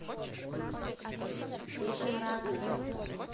песня разный